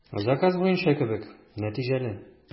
Заказ буенча кебек, нәтиҗәле.